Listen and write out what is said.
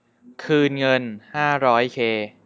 คืนเงินห้าร้อยเค